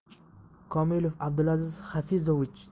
komilov abdulaziz xafizovich